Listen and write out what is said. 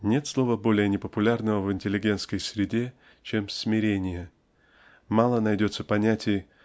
Нет слова более непопулярного в интеллигентской среде чем смирение мало найдется понятий